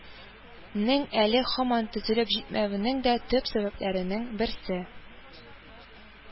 Нең әле һаман төзелеп җитмәвенең дә төп сәбәпләренең берсе